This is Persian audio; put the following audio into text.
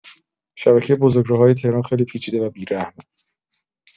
شبکه بزرگراه‌های تهران خیلی پیچیده و بیرحمه.